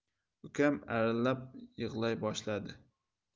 ukam arillab yig'lay boshladi